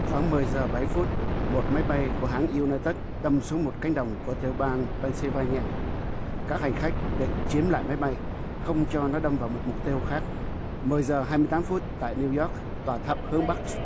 khoảng mười giờ bảy phút một máy bay của hãng iu ne tếch đâm xuống một cánh đồng của tiểu bang pen si va ni a các hành khách định chiếm lại máy bay không cho nó đâm vào một mục tiêu khác mười giờ hai mươi tám phút tại niu doóc tòa tháp hướng bắc